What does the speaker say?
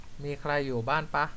มีใครอยู่บ้านปะ